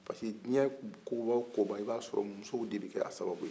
parce que diɲɛ ko baw o ko baw i ba sɔrɔ musow de bi kɛ a sababuya